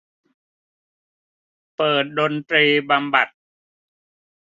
เปิดดนตรีบำบัด